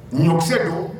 Ɲɔkisɛkisɛ don